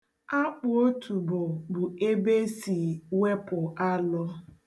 Akpụotubo bụ ebe e si wepụ alọ.